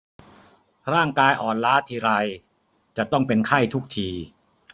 ร่างกายอ่อนล้าทีไรจะต้องเป็นไข้ทุกที